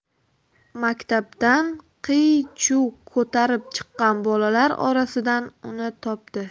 maktabdan qiy chuv ko'tarib chiqqan bolalar orasidan uni topdi